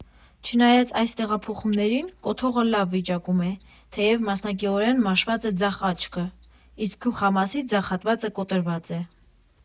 Չնայած այս տեղափոխումներին, կոթողը լավ վիճակում է, թեև մասնակիորեն մաշված է ձախ աչքը, իսկ գլխամասի ձախ հատվածը կոտրված է։